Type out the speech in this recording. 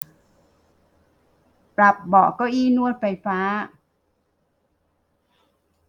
ปรับเบาะเก้าอี้นวดไฟฟ้า